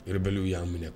Ibw y'a minɛ